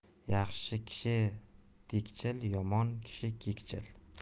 yaxshi kishi tegchil yomon kishi kekchil